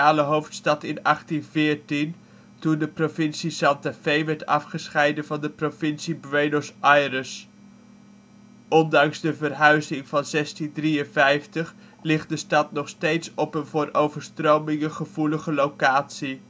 hoofdstad in 1814, toen de provincie Santa Fe werd afgescheiden van de provincie Buenos Aires. Ondanks de verhuizing van 1653 ligt de stad nog steeds op een voor overstromingen gevoelige locatie